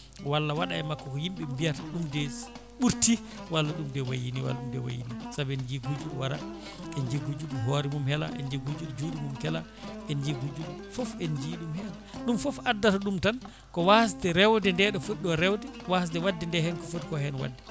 walla waɗa e makko ko yimɓe mbiyata ɗum de ɓurti walla ɗum de wayini walla ɗum de waayi ni saabu en jii gujjuɗo waara en jii gujjuɗomo hoore mum heela en gujjuɗo juuɗe mum keela en jii gujjuɗo foof en jii ɗum hen ɗum foof addata ɗum tan ko wasde rewde nde ɗo foti ɗo rewde wasde wadde nde hen ko footi ko hen wadde